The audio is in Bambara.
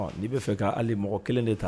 N'i b'a fɛ k' aliale mɔgɔ kelen de ta